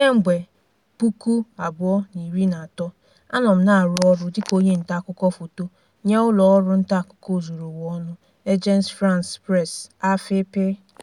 Kemgbe 2013, anọ m na-arụ ọrụ dịka onye nta akụkọ foto nye ụlọ ọrụ nta akụkọ ozuru ụwa ọnụ, Agence France Presse (AFP).